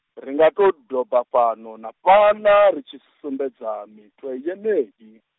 ri nga tou doba fhano na fhaḽa ri tshi sumbedza mitwe yeneyi.